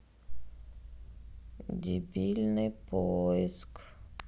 дебильный поиск